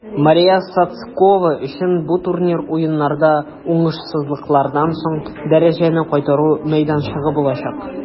Мария Сотскова өчен бу турнир Уеннарда уңышсызлыклардан соң дәрәҗәне кайтару мәйданчыгы булачак.